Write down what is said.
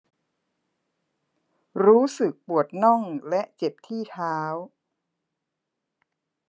รู้สึกปวดน่องและเจ็บที่เท้า